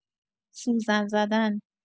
سوزن زدن